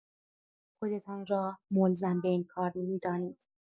خودتان را ملزم به این کار می‌دانید.